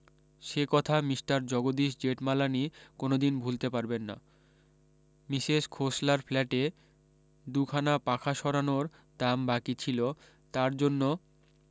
সে কথা মিষ্টার জগদীশ জেঠমালানি কোনোদিন ভুলতে পারবেন না মিসেস খোসলার ফ্ল্যাটে দুখানা পাখা সারানোর দাম বাকী ছিল তার জন্য